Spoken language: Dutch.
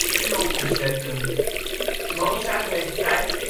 Vioolconcerten Mozart heeft vijf